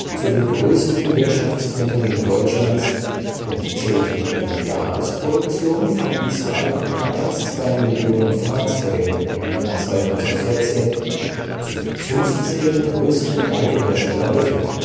zu den größten Wirtschaftsunternehmen Deutschlands und zählte mit einer Jahresproduktion von 2,12 Millionen Fahrzeugen im Jahr 2014 zu den 15 größten Autoherstellern der Welt